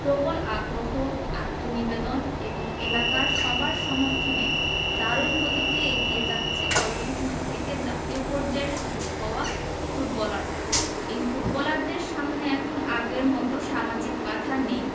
প্রবল আগ্রহ আত্মনিবেদন এবং এলাকার সবার সমর্থনে দারুণ গতিতে এগিয়ে যাচ্ছে কলসিন্দুর থেকে জাতীয় পর্যায়ে সুযোগ পাওয়া ফুটবলাররা এই ফুটবলারদের সামনে এখন আগের মতো সামাজিক বাধা নেই